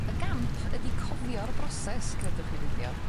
Y gamp ydi cofio'r broses credwch neu beidio.